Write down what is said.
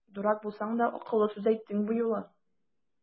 Дурак булсаң да, акыллы сүз әйттең бу юлы!